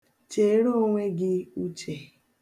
Cheere onwe gị uche.